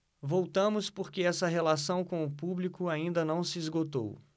voltamos porque essa relação com o público ainda não se esgotou